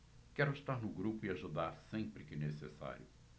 quero estar no grupo e ajudar sempre que necessário